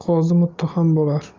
qozi muttaham bo'lar